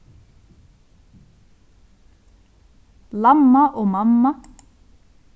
lamma og mamma